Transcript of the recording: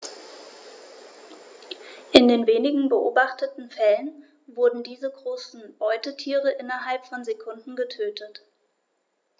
In den wenigen beobachteten Fällen wurden diese großen Beutetiere innerhalb von Sekunden getötet.